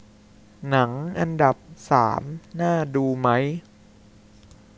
หนังอันดับสามน่าดูไหม